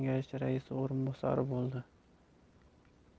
kengashi raisi o'rinbosari bo'ladi